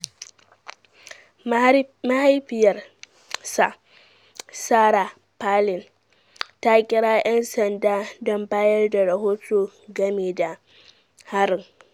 Mahaifiyarsa, Sarah Palin, ta kira 'yan sanda don bayar da rahoto game da harin.